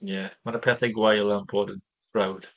Ie. Ma' 'na pethe gwael am bod yn brawd.